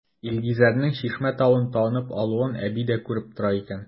Илгизәрнең Чишмә тавын танып алуын әби дә күреп тора икән.